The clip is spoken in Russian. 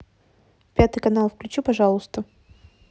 пятый канал включи пожалуйста